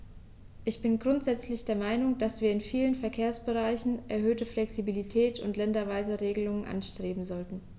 Ich bin grundsätzlich der Meinung, dass wir in vielen Verkehrsbereichen erhöhte Flexibilität und länderweise Regelungen anstreben sollten.